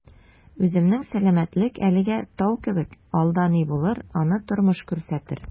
Үземнең сәламәтлек әлегә «тау» кебек, алда ни булыр - аны тормыш күрсәтер...